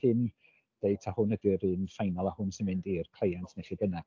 Cyn deud taw hwn ydy'r un final a hwn sy'n mynd i'r cleient neu lle bynnag.